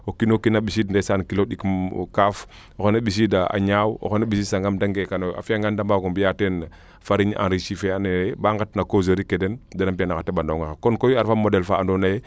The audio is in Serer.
o kiino kiin a mbisiid ndeysaan kilo ɗik kaaf o xene ɓisiid a ñaaw o xene ɓisiid sangam de ngeek kano yo a fiya ngaan de mbaago mbiya ten farine enrichie fe ando naye ba ngat na causerie ke den dena mbiya na xa teɓanongaxe kon koy a refa modele faa ando naye